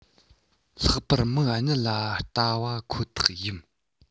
ལྷག པར མིག གཉིས ལ བལྟ བ ཁོ ཐག ཡིན